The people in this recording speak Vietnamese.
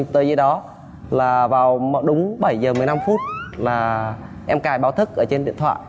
tới đó là vào đúng bảy giờ mười lăm phút là em cài báo thức ở trên điện thoại